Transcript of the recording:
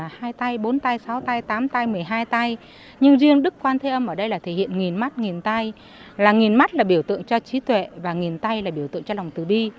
hai tay bốn tay sáu tay tám tay mười hai tay nhưng riêng đức quan thế âm ở đây là thể hiện nghìn mắt nghìn tay là nghìn mắt là biểu tượng cho trí tuệ và nghìn tay là biểu tượng cho lòng từ bi